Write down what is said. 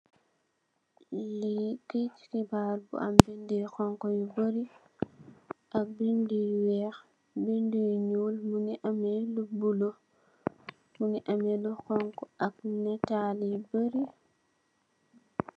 Lii kaiiti xibarr yu am bindi yu xonxu yu bori ak bindi yu wekh bindi yu ñul mungi ameh lu bulo mungi ameh lu xonxu ak natali yu barri.